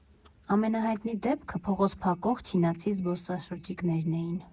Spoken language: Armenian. Ամենահայտնի դեպքը փողոց փակող չինացի զբոսաշրջիկներն էին։